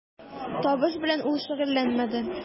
Табыш белән ул шөгыльләнмәде.